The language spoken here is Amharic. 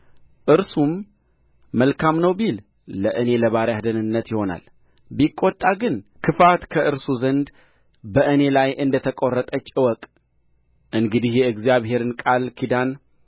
እርሱም መልካም ነው ቢል ለእኔ ለባሪያህ ደኅንነት ይሆናል ቢቈጣ ግን ክፋት ከእርሱ ዘንድ በእኔ ላይ እንደ ተቈረጠች እወቅ እንግዲህ የእግዚአብሔርን ቃል ኪዳን